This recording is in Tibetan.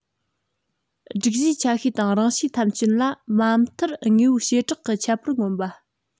སྒྲིག གཞིའི ཆ ཤས དང རང གཤིས ཐམས ཅད ལ མ མཐར དངོས པོའི བྱེད བྲག གི ཁྱད པར མངོན པ